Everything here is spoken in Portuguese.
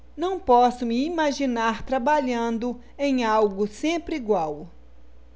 não posso me imaginar trabalhando em algo sempre igual